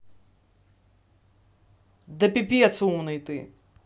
да пипец умный ты